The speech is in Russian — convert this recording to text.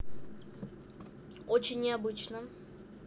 очень необычное